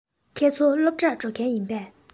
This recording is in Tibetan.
ཁྱེད ཚོ སློབ གྲྭར འགྲོ མཁན ཡིན པས